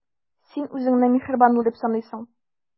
Син үзеңне миһербанлы дип саныйсың.